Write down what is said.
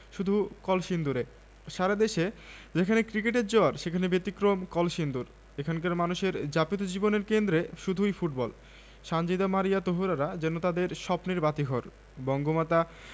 শীতের সকাল শীতের সকাল নানা শরিফাকে নিয়ে রোদ পোহাচ্ছেন হাতে খবরের কাগজ শরিফা বই পড়ছে শরিফা নানা রোদ মিষ্টি হয় কী করে নানা